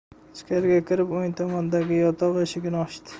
ichkariga kirib o'ng tomondagi yotoq eshigini ochdi